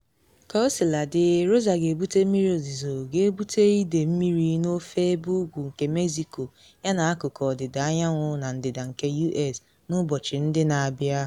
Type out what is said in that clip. Kaosiladị, Rosa ga-ebute mmiri ozizo ga-ebute ide mmiri n’ofe ebe ugwu nke Mexico yana akụkụ ọdịda anyanwụ na ndịda nke U.S. n’ụbọchị ndị na abia.